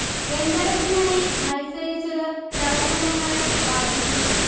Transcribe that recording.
വെങ്കലത്തിനായി മത്സരിച്ചത് പ്രവർത്തനങ്ങളെ ബാധിച്ചു